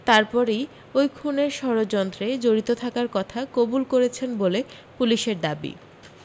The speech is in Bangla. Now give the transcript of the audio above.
তার পরেই ওই খুনের ষড়যন্ত্রে জড়িত থাকার কথা কবুল করেছেন বলে পুলিশের দাবি